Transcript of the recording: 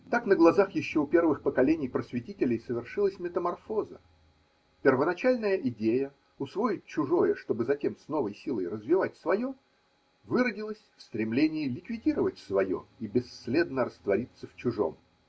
Так на глазах еще у первых поколений просветителей совершилась метаморфоза: первоначальная идея – усвоить чужое, чтобы затем с новой силой развивать свое – выродилась в стремление ликвидировать свое и бесследно раствориться в чужом